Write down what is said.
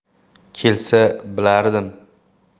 kelsa bilardim